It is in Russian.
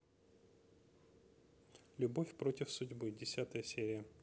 любовь против судьбы десятая серия